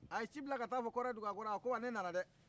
a ye ci bila ka taa fɔ kɔrɛdugakɔrɔ ye a ko wa ne nana dɛ